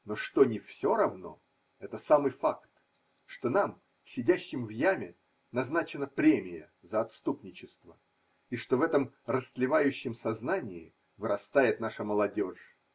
Но что не все равно это самый факт, что нам, сидящим в яме, назначена премия за отступничество, и что в этом растлевающем сознании вырастает наша молодежь.